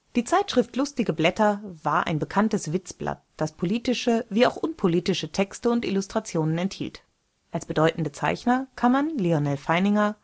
Die Zeitschrift „ Lustige Blätter “war ein bekanntes Witzblatt, das politische wie auch unpolitische Texte und Illustrationen enthielt. Als bedeutende Zeichner kann man Lyonel Feininger